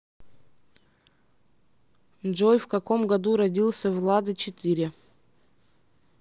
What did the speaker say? джой в каком году родился влада четыре